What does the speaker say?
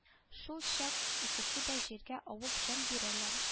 Шулчак икесе дә җиргә авып җан бирәләр